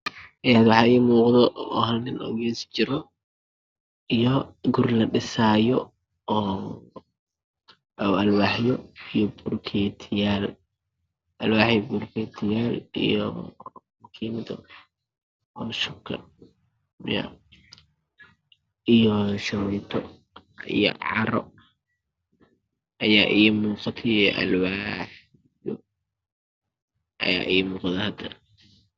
Halkan waxa iga muqdo hal wiil oo gees jiro iyo guri la dhisayo oo alwaxyo iyo bulketiyal iyo jiingada shubka iyo shamiito iyo carro aya i muqdo iyo alwaaxyo aya i muuqda